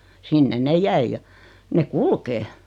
sinne ne jäi ja ne kulkee